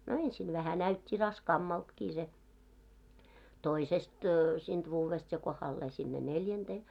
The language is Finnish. no ensin vähän näytti raskaammaltakin se toisesta siitä vuodesta ja kohdalleen sinne neljänteen